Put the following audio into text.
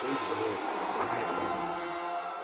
- Будь друг, не поминай.